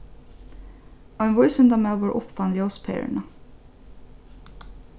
ein vísindamaður uppfann ljósperuna